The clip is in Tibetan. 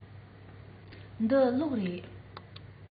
འདི གློག རེད